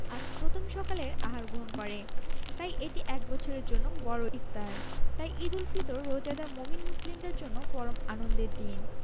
আজ প্রথম সকালের আহার গ্রহণ করে তাই এটি এক বছরের জন্য বড় ইফতার তাই ঈদুল ফিতর রোজাদার মোমিন মুসলিমের জন্য পরম আনন্দের দিন